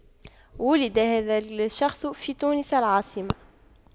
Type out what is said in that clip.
ولد هذا الشخص في تونس العاصمة